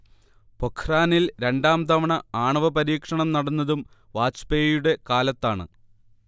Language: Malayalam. പൊഖ്റാനിൽ രണ്ടാംതവണ ആണവ പരീക്ഷണം നടന്നതും വാജ്പേയിയുടെ കാലത്താണ്